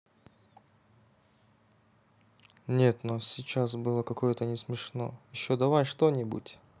нет но сейчас было какое то не смешно еще давай что нибудь